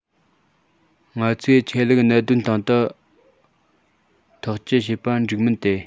ང ཚོས ཆོས ལུགས གནད དོན སྟེང དུ ཐག གཅོད བྱེད པ འགྲིག མིན དེ